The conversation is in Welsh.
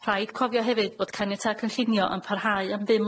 Rhaid cofio hefyd fod caniatâd cynllunio yn parhau am bum